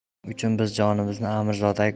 shuning uchun biz jonimizni amirzodam